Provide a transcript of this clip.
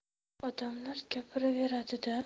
odamlar gapiraveradida